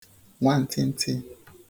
nwantịntị